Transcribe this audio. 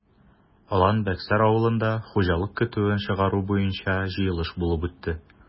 Алан-Бәксәр авылында хуҗалык көтүен чыгару буенча җыелыш булып үтте.